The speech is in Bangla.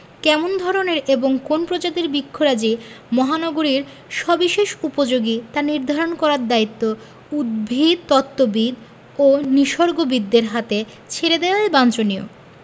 কেমন ধরনের এবং কোন্ প্রজাতির বৃক্ষরাজি মহানগরীর সবিশেষ উপযোগী তা নির্ধারণ করার দায়িত্ব উদ্ভিদতত্ত্ববিদ ও নিসর্গবিদদের হাতে ছেড়ে দেয়াই বাঞ্ছনীয়